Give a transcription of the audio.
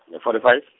na fourty five.